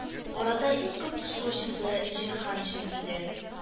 Арада иң күп кычкыручысы Җиһаншин иде